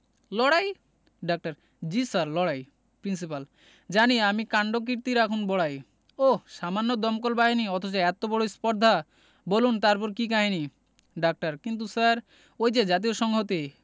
লড়াই ডাক্তার জ্বী স্যার লড়াই প্রিন্সিপাল জানি আমি কাণ্ডকীর্তি রাখুন বড়াই ওহ্ সামান্য দমকল বাহিনী অথচ এত বড় স্পর্ধা বলুন তারপর কি কাহিনী ডাক্তার কিন্তু স্যার ওই যে জাতীয় সংহতি